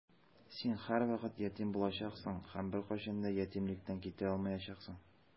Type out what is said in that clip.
Син һәрвакыт ятим булачаксың һәм беркайчан да ятимлектән китә алмаячаксың.